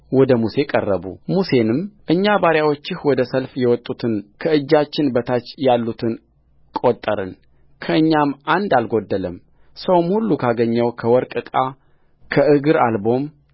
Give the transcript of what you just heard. ወደ ሙሴ ቀረቡሙሴንም እኛ ባሪያዎችህ ወደ ሰልፍ የወጡትን ከእጃችን በታች ያሉትን ቈጠርን ከእኛም አንድ አልጐደለምሰውም ሁሉ ካገኘው ከወርቅ ዕቃ ከእግር አልቦም